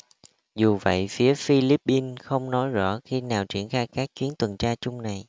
dù vậy phía philippines không nói rõ khi nào triển khai các chuyến tuần tra chung này